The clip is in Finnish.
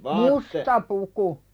musta puku